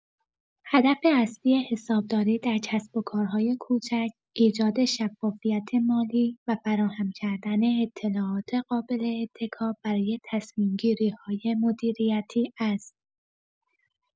هدف اصلی حسابداری در کسب‌وکارهای کوچک، ایجاد شفافیت مالی و فراهم‌کردن اطلاعات قابل‌اتکا برای تصمیم‌گیری‌های مدیریتی است.